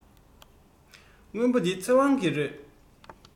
སྔོན པོ འདི ཚེ དབང གི རེད